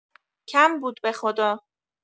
کم بود بخدا